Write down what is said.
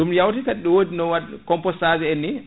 ɗum yawti kadi ne wodi no wad compostage en ni